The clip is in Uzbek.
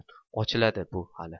ochiladi bu hali